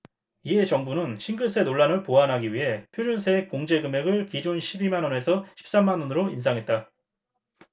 이에 정부는 싱글세 논란을 보완하기 위해 표준세액 공제금액을 기존 십 이 만원에서 십 삼 만원으로 인상했다